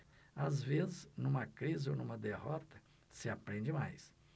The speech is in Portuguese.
às vezes numa crise ou numa derrota se aprende mais